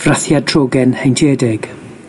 frathiad trogen heintiedig.